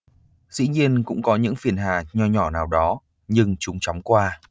dĩ nhiên cũng có những phiền hà nho nhỏ nào đó nhưng chúng chóng qua